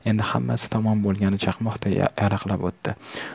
endi hammasi tamom bo'lgani chaqmoqday yaraqlab o'tdi